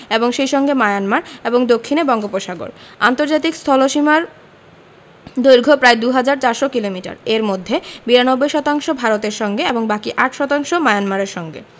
এবং সেই সঙ্গে মায়ানমার এবং দক্ষিণে বঙ্গোপসাগর আন্তর্জাতিক স্থলসীমার দৈর্ঘ্য প্রায় ২হাজার ৪০০ কিলোমিটার এর মধ্যে ৯২ শতাংশ ভারতের সঙ্গে এবং বাকি ৮ শতাংশ মায়ানমারের সঙ্গে